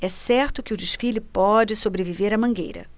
é certo que o desfile pode sobreviver à mangueira